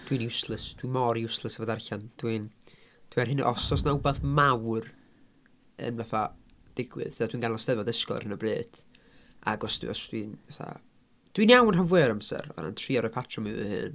Dwi'n useless, dwi mor useless efo darllen. Dwi'n dwi ar hyn o...os oes 'na wbath mawr yn fatha digwydd, fatha dwi'n ganol Steddfod ysgol ar hyn o bryd. Ac os dwi os dwi'n fatha... dwi'n iawn rhan fwya o'r amser a yn trio rhoi patrwm i fy hun.